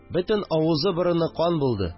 Бөтен авызы-борыны кан булды